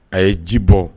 A ye ji bɔ